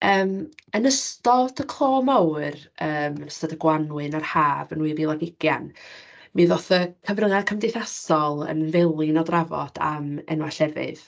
Yym yn ystod y clo mawr, yn ystod y gwanwyn a'r haf yn 2020, mi ddoth y cyfryngau cymdeithasol yn felin o drafod am enwau llefydd.